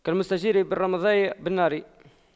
كالمستجير من الرمضاء بالنار